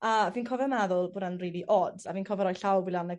A fi'n cofio meddwl bod e'n rili od, a fi'n cofio roi llaw fi lan a